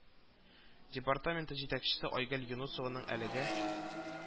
Департаменты җитәкчесе айгөл юнысованың әлегә